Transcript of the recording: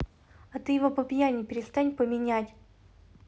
а ты его по пьяне перестань поменять